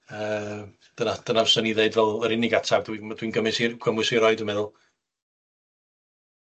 Yy dyna dyna fyswn i ddeud fel yr unig ateb dwi'n m- dwi'n gymys i cymwys i roi dwi meddwl.